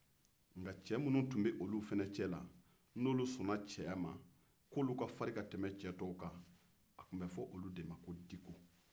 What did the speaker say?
nk cɛ min tun ka farin olu cɛla k'olu sɔnna cɛya ma a tun bɛ fɔ olu ma ko dikɔ